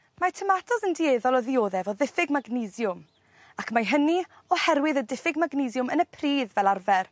Mae tomatos yn dueddol o ddioddef o ddiffyg magnesiwm ac mae hynny oherwydd y diffyg magnesiwm yn y pridd fel arfer.